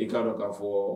I ka dɔn k'a fɔɔ